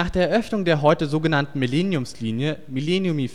der Eröffnung der heute so genannten Millenniums-Linie (Millenniumi